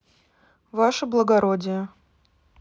ваше благородие